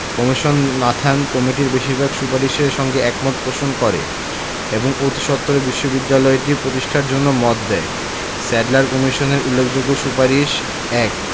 commission Nathan কমিটির বেশির ভাগ সুপারিশের সঙ্গে একমত পোষণ করে এবং অতিসত্বর বিশ্ববিদ্যালয়টি প্রতিষ্ঠার জন্য মত দেয় স্যাডলার কমিশনের উল্লেখযোগ্য সুপারিশ: ১